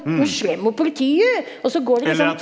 hun er slem mot politiet også går det ikke sånn.